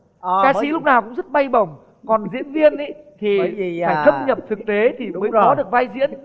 ca sĩ lúc nào cúng rất bay bổng còn diễn viên ý thì phải thâm nhập thực tế thì mới có được vai diễn